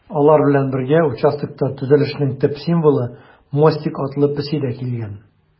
Алар белән бергә участокта төзелешнең төп символы - Мостик атлы песи дә килгән.